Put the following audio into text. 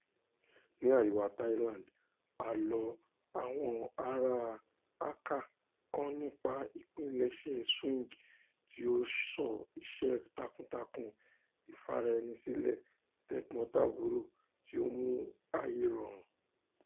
Ní àríwá Thailand, àlọ́ àwọn aráa Akha kan nípa ìpilẹ̀ṣẹ̀ swing tí ó sọ iṣẹ́ takuntakun ìfaraẹnisílẹ̀ t'ẹ̀gbọ́ntàbúrò tí ó mú ayé rọrùn.